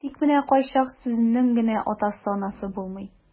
Тик менә кайчак сүзенең генә атасы-анасы булмый.